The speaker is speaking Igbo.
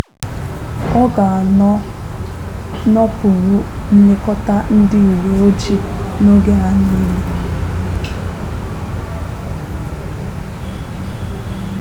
Ọ ga-anọ n'okpuru nlekọta ndị uwe ojii n'oge a niile.